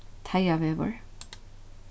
teigavegur